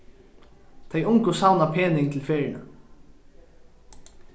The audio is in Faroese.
tey ungu savna pening til ferðina